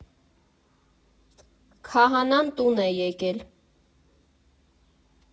Քահանան տուն է եկել։